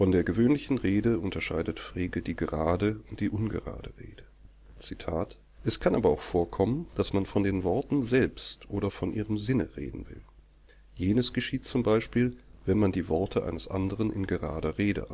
der gewöhnlichen Rede unterscheidet Frege die „ gerade “und die „ ungerade “Rede. „ Es kann aber auch vorkommen, dass man von den Worten selbst oder von ihrem Sinne reden will. Jenes geschieht z. B., wenn man die Worte eines anderen in gerader Rede